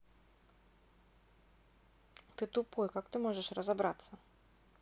ты тупой как ты можешь разобраться